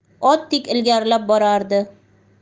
otdek ilgarilab borardi